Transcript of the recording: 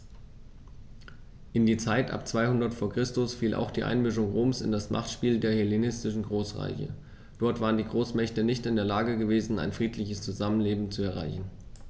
In die Zeit ab 200 v. Chr. fiel auch die Einmischung Roms in das Machtspiel der hellenistischen Großreiche: Dort waren die Großmächte nicht in der Lage gewesen, ein friedliches Zusammenleben zu erreichen.